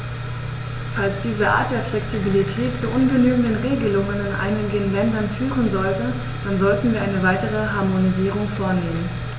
Falls diese Art der Flexibilität zu ungenügenden Regelungen in einigen Ländern führen sollte, dann sollten wir eine weitere Harmonisierung vornehmen.